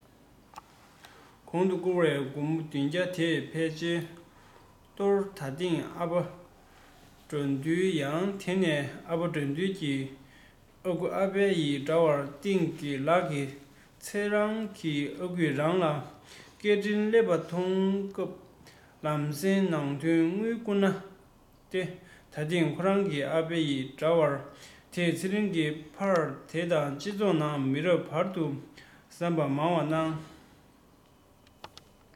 གོང དུ བསྐུར བའི སྒོར མོ བདུན བརྒྱ དེ ཕལ ཆེར གཏོར ད ཐེངས ཨ ཕ དགྲ འདུལ ཡང དེ ན ཨ ཕ དགྲ འདུལ གྱི ཨ ཁུ ཨ ཕ ཡི འདྲ པར སྟེང གྱི ལག གི ཚེ རང གི ཨ ཁུས རང ལ སྐད འཕྲིན སླེབས པ མཐོང སྐབས ལང སེང ནང དོན དངུལ བསྐུར ན ཏེ ད ཐེངས ཁོ རང གི ཨ ཕ ཡི འདྲ པར དེ ཚེ རིང གི ཕར དེང སྤྱི ཚོགས ནང མི རབས བར གྱི ཟམ པ མང བར སྣང